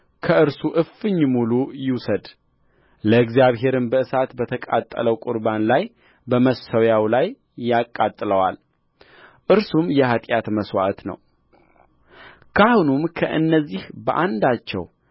ከእርሱ እፍኝ ሙሉ ይውሰድ ለእግዚአብሔርም በእሳት በተቃጠለው ቍርባን ላይ በመሠዊያው ላይ ያቃጥለዋል እርሱም የኃጢአት መሥዋዕት ነውካህኑም ከእነዚያ በአንዳቸው